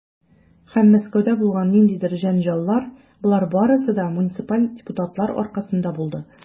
Һәм Мәскәүдә булган ниндидер җәнҗаллар, - болар барысы да муниципаль депутатлар аркасында булды.